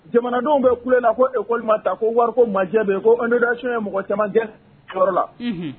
Jamanadenw bɛ kulen la ko ko ta ko wari ko majɛ bɛ kodayɛn ye mɔgɔ camanjɛ sɔrɔla la